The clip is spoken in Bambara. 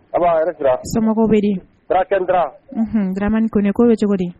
An ba hɛrɛ sira, somɔgɔw bɛ di? Dra Ken Dra; unhun, Dramane Ko néko bɛ cogo di?